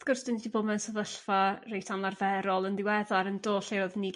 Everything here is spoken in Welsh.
Wrth gwrs 'dyn ni 'di bod mewn sefyllfa reit anarferol yn ddiweddar yn do e o'dd ni